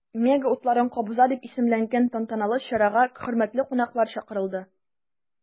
“мега утларын кабыза” дип исемләнгән тантаналы чарага хөрмәтле кунаклар чакырылды.